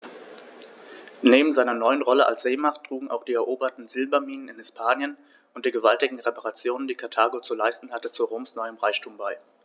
Neben seiner neuen Rolle als Seemacht trugen auch die eroberten Silberminen in Hispanien und die gewaltigen Reparationen, die Karthago zu leisten hatte, zu Roms neuem Reichtum bei.